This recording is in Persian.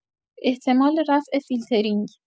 احتمال رفع فیلترینگ